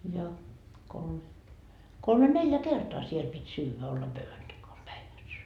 ja - kolme neljä kertaa siellä piti syödä olla pöydän takana päivässä